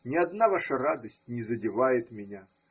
Ни одна ваша радость не задевает меня.